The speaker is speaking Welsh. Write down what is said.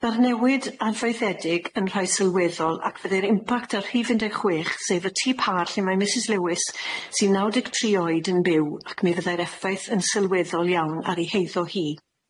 Byddai'r newid adfeithiedig yn rhai sylweddol ac fyddai'r impact ar rhif un deg chwech, sef y tŷ pâr lle mae Misys Lewis, sy' naw deg tri oed yn byw ac mi fyddai'r effaith yn sylweddol iawn ar ei heiddo hi.